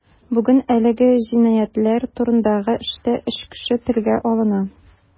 Бүген әлеге җинаятьләр турындагы эштә өч кеше телгә алына.